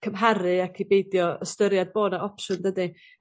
cymharu ac i beidio ystyried bo' 'na opsiwn dydi?